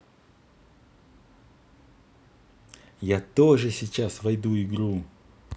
я тоже сейчас войду игру